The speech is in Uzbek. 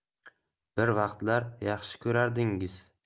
bir vaqtlar yaxshi ko'rardingiz